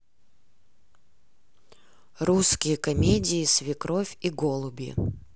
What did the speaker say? русские комедии свекровь и голуби